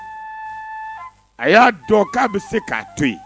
A y'a dɔn k'a bɛ se k'a to yen.